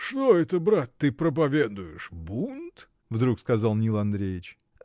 — Что это, брат, ты проповедуешь: бунт? — вдруг сказал Нил Андреич.